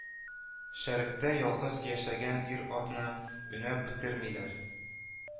Шәрекътә ялгыз яшәгән ир-атны өнәп бетермиләр